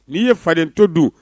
N'i ye fadento dun